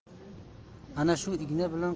ana shu igna bilan